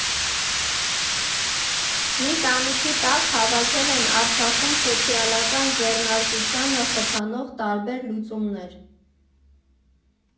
Մի տանիքի տակ հավաքել են Արցախում սոցիալական ձեռնարկությանը խթանող տարբեր լուծումներ.